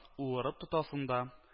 Уырып тотасың да